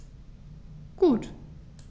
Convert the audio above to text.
Gut.